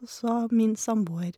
Og så min samboer.